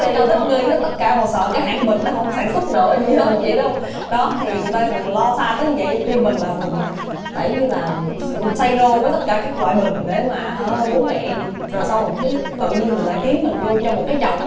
cho thích nghi hết tất cả còn sợ cái hãng bình nó không sản xuất nữa vậy đó đó thì người ta lo xa tới vậy khi mình là mình lại giống như là say nô với tất cả các loại bình để mà hả bú mẹ rồi xong rồi cấy tự nhiên mình lại khiến mình vô trong cái tròng